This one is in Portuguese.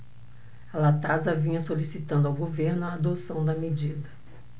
a latasa vinha solicitando ao governo a adoção da medida